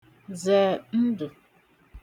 zẹ̀ ndụ̀